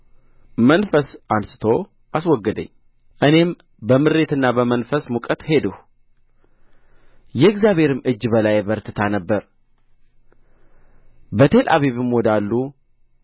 መንፈስ አንሥቶ አስወገደኝ እኔም በምሬትና በመንፈሴ ሙቀት ሄድሁ የእግዚአብሔርም እጅ በላዬ በርትታ ነበር በቴልአቢብም ወዳሉ